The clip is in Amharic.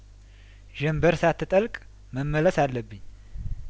ዠንበር ሳትጠልቅ መመለስ አለብኝ